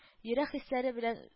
Йөрәк хисләре белән